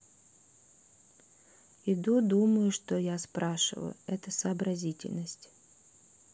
иду думаю что я спрашиваю это сообразительность